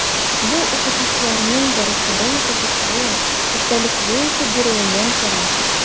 Бу – укытучыларның дәресләрен кызыклы, эчтәлекле итеп бирүеннән тора.